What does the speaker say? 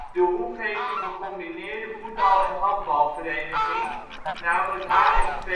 De Hoef heeft een gecombineerde voetbal - en handbalvereniging; namelijk HSV